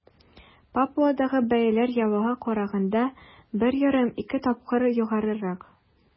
Папуадагы бәяләр Явага караганда 1,5-2 тапкыр югарырак.